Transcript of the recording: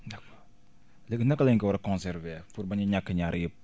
d' accord léegi naka lañ ka war a conserver pour bañ a ñàkk ñaar yëpp